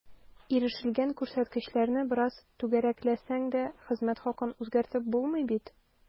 Ирешелгән күрсәткечләрне бераз “түгәрәкләсәң” дә, хезмәт хакын үзгәртеп булмый бит.